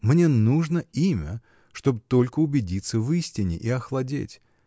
Мне нужно имя, чтоб только убедиться в истине и охладеть.